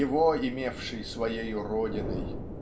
Его имевший своею родиной